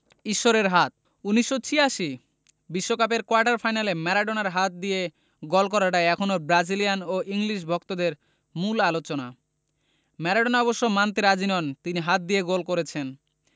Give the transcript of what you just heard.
ঈশ্বরের হাত ১৯৮৬ বিশ্বকাপের কোয়ার্টার ফাইনালে ম্যারাডোনার হাত দিয়ে গোল করাটা এখনো ব্রাজিলিয়ান ও ইংলিশ ভক্তদের মূল আলোচনা ম্যারাডোনা অবশ্য মানতে রাজি নন তিনি হাত দিয়ে গোল করেছেন